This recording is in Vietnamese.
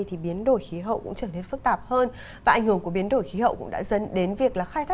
thì biến đổi khí hậu cũng trở nên phức tạp hơn và ảnh hưởng của biến đổi khí hậu cũng đã dẫn đến việc là khai